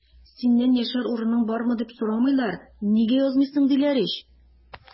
Синнән яшәр урының бармы, дип сорамыйлар, нигә язмыйсың, диләр ич!